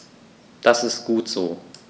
Das ist gut so.